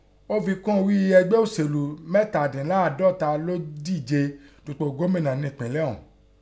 Ọ́ fi kún ghí ẹgbẹ́ òṣèlú méjìdínláàádọ́ta ló díje dupò gómìnà nẹ́ ẹ̀pínlẹ̀ ọ̀ún..